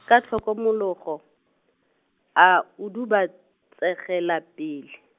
ka tlhokomologo, a udubatsegela pele.